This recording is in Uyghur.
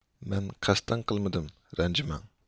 مەن قەستەن قىلمىدىم رەنجىمەڭ